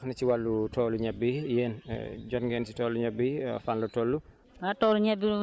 Ndeye Diagne sànq wax na ci wàllu toolu ñebe yéen jot ngeen si toolu ñebe yi fan la toll